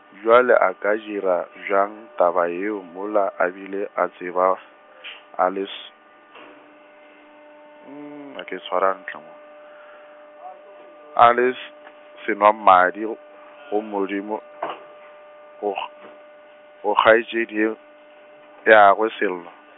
bjale a ka dira bjang taba yeo mola a bile a tseba , a le s-, a ke ntshware hantle mo , a le s- , senwamadi g-, go Modimo , go kg-, go kgaetšediagwe Sello.